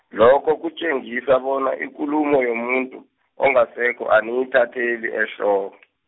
lokho kutjengisa bona ikulumo yomuntu, ongasekho aniyithatheli ehlo- .